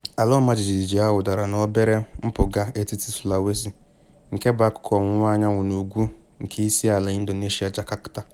Ala ọmajiji ahụ dara na obere mpụga etiti Sulawesi nke bụ akụkụ ọwụwa anyanwụ na ugwu nke isi ala Indonesia, Jakarta.